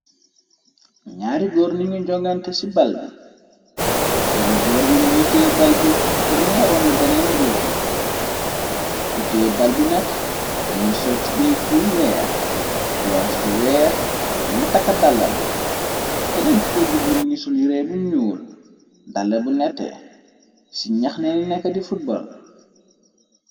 Nyaari góor ni ngi jongante ci bal bi benne góor bi mi ngitee bal bi purna la romb beneen góor gi bi ku tee bal bi nakk mi ngi sol tube ju weex cuwas ju weex mi ngi takka dalam keneen ko ko jublu mi ngi sulirée bu ñuul dalé bu nete ci ñyaxneeni nekk di footbal.